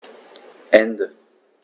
Ende.